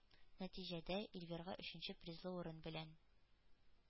Нәтиҗәдә, Эльвирга өченче призлы урын белән